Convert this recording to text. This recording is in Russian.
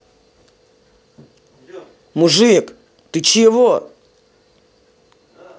мужик ты чего